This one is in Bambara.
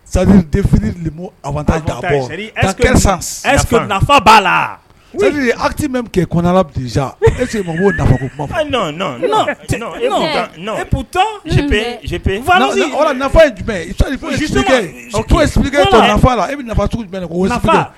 Sadi e nafa jumɛn